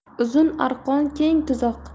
uzun arqon keng tuzoq